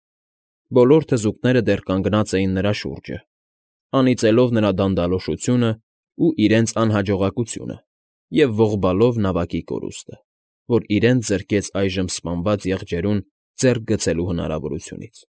Բոլոր թզուկները դեռ կանգնած էին նրա շուրջը, անիծելով նրա դանդալոշությունն ու իրենց անհաջողակությունը և ողբալով նավակի կորուստը, որ իրենց զրկեց այժմ սպանված եղջերուն ձեռք գցելու հնարավորությունից,